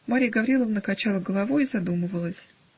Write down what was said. Марья Гавриловна качала головой и задумывалась.